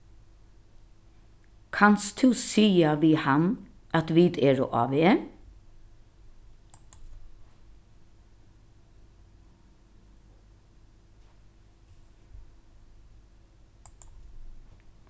kanst tú siga við hann at vit eru á veg